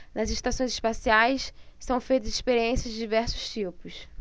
nas estações espaciais são feitas experiências de diversos tipos